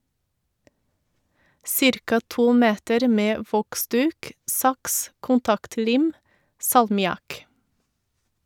Cirka to meter med voksduk, saks, kontaktlim, salmiakk.